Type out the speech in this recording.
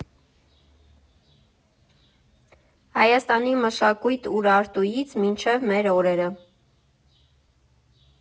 Հայաստանի մշակույթն Ուրարտուից մինչև մեր օրերը։